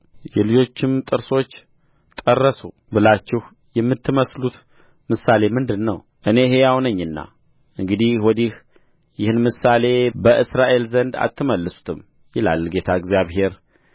የልጆችም ጥርሶች ጠረሱ ብላችሁ የምትመስሉት ምሳሌ ምንድር ነው እኔ ሕያው ነኝና እንግዲህ ወዲህ ይህን ምሳሌ በእስራኤል ዘንድ አትመስሉትም ይላል ጌታ እግዚአብሔር